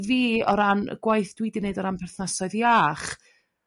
Fi o ran y gwaith dwi 'di neud o ran perthnasoedd iach